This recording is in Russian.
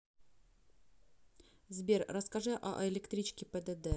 сбер расскажи о электричке пдд